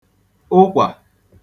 ụkwà